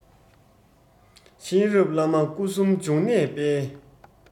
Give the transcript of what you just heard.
གཤེན རབ བླ མ སྐུ གསུམ འབྱུང གནས དཔལ